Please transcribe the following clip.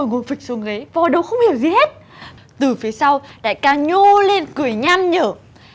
tôi ngồi phịch xuống ghế vò đầu không hiểu gì hết từ phía sau đại ca nhô lên cười nham nhở